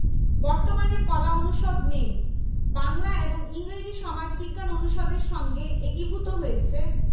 বর্তমানে কলা অনুষদ নেই বাংলা এবং ইংরেজি সমাজবিজ্ঞান অনুষদের সঙ্গে একীভূত হয়েছে